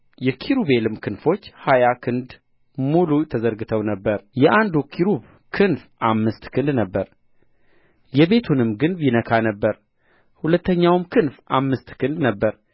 የኪሩቤልም ክንፎች ሀያ ክንድ ሙሉ ተዘርግተው ነበር የአንዱ ኪሩብ ክንፍ አምስት ክንድ ነበረ የቤቱንም ግንብ ይነካ ነበረ ሁለተኛው ክንፍ አምስት ክንድ ነበረ